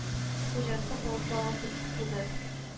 Хуҗасы балта атып куды